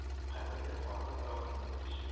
Кабернең аргы тарафыннан һич